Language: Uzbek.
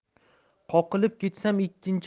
qoqilib ketsami ikkinchi